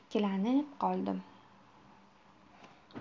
ikkilanib qoldim